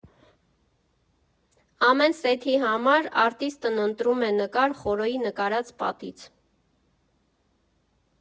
Ամեն սեթի համար արտիստն ընտրում է նկար Խորոյի նկարած պատից։